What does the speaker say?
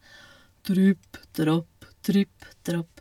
Tripp trapp, tripp trapp.